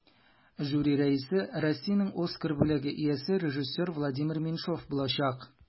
Жюри рәисе Россиянең Оскар бүләге иясе режиссер Владимир Меньшов булачак.